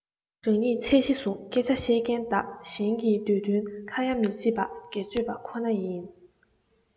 རང ཉིད ཚད གཞི བཟུང སྐད ཆ བཤད མཁན དག གཞན གྱི འདོད འདུན ཁ ཡ མི བྱེད པ སྒེར གཅོད པ ཁོ ན ཡིན